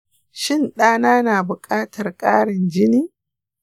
shin ɗa na na buƙatar ƙarin jini?